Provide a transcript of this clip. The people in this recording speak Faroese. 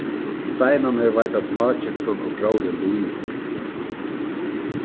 steinarnir veita smákyktum og gróðri lív